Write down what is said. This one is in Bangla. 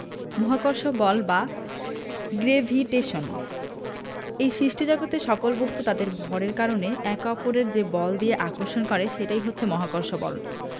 মহাকর্ষ বল বা গ্রেভিটেশন এই ।সিষ্টিজগতের সকল বস্তু তাদের ভরের কারণে একে অপরকে যে বল দিয়ে আকর্ষণ করে সেটাই হচ্ছে মহাকর্ষ বল